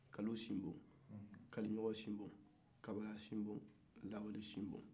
kanusinbon kanɲɔgɔnsinbon kabalasinbon lawalesinbon